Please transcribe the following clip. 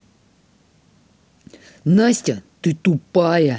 настя ты тупая